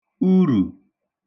urù